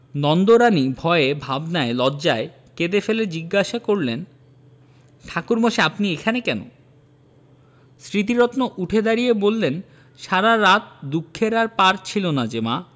নন্দরানী ভয়ে ভাবনায় লজ্জায় কেঁদে ফেলে জিজ্ঞাসা করলেন ঠাকুরমশাই আপনি এখানে কেন স্মৃতিরত্ন উঠে দাঁড়িয়ে বললেন সারা রাত দুঃখের আর পার ছিল না যে মা